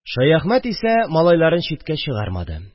Шәяхмәт исә малайларын читкә чыгармады